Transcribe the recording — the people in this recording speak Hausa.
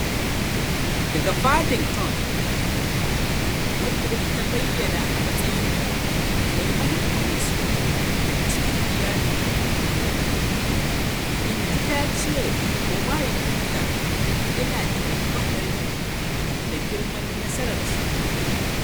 Daga Paddington, wadda ta bayyana a matsayin "mai mahimmanci daga cikin iyalinmu," in ji ta cewa mahaifinta yana da alfaharin da girman nasararsa.